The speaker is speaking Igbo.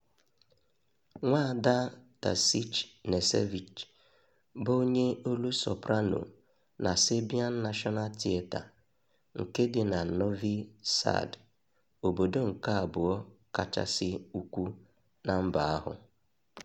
Nwaada Tasić Knežević bụ onye olu soprano na Serbian National Theatre, nke dị na Novi Sad, obodo nke abụọ kachasị ukwuu na mba ahụ.